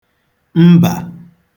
mbà